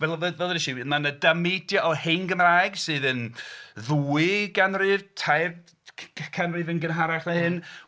Fel ddwedais i, mae 'na dameidiau o hen Gymraeg sydd yn ddwy ganrif, tair canrif yn gynharach na hyn.